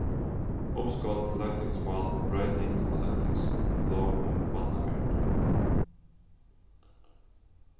uppskot til løgtingsmál um broyting á løgtingslóg um barnavernd